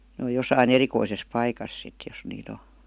ne on jossakin erikoisessa paikassa sitten jos niitä on